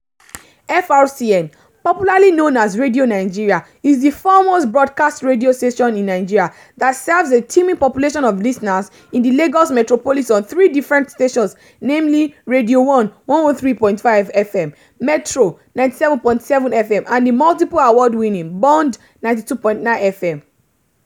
FRCN — popularly known as Radio Nigeria — is the foremost broadcast radio station in Nigeria, that serves a teeming population of listeners in the Lagos metropolis on three different stations, namely: Radio One 103.5 FM, Metro 97.7 FM and the multiple award-winning Bond 92.9 FM.